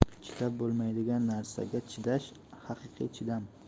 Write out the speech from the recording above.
chidab bo'lmaydigan narsaga chidash haqiqiy chidam